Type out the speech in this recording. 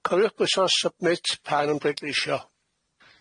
cys- Cofiwch bwyso submit pan yn bleudleisio.